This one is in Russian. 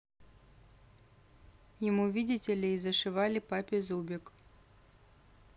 ему видетели и зашивали папе зубик